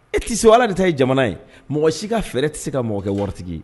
E tɛ se ala de ta ye jamana ye mɔgɔ si ka fɛ tɛ se ka mɔgɔ kɛ waritigi ye